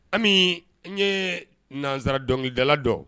Ami n ye nansara dɔnkilikidala dɔ